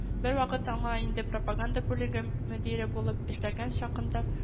Бервакыт аңа инде пропаганда бүлеге мөдире булып эшләгән чагында